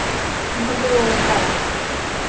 ну ты умная